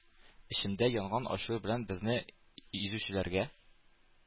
Эчемдә янган ачу белән безне изүчеләргә